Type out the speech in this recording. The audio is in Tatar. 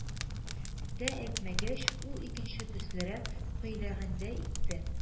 Дә әйтмәгәч, ул икенче төслерәк көйләгәндәй итте: